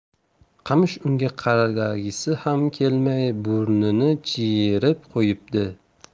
qamish unga qaragisi ham kelmay burnini jiyirib qo'yibdi